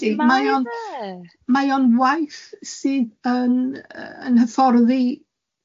yndi, mae o'n mae o'n ma'n waith sydd yn yy yn hyfforddi.